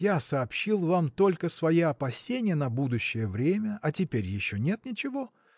– Я сообщил вам только свои опасения на будущее время а теперь еще нет ничего.